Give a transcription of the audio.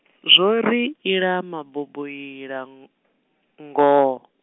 zwo ri ita maboboila, ngo ho.